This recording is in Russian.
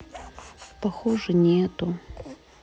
похоже нету